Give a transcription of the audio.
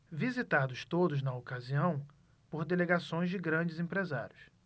visitados todos na ocasião por delegações de grandes empresários